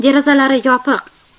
derazalari yopiq